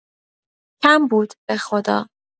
کم بود بخدا